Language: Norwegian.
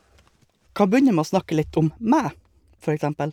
Kan begynne med å snakke litt om meg, for eksempel.